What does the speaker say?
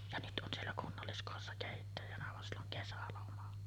ja nyt on siellä kunnalliskodissa keittäjänä vaan sillä on kesäloma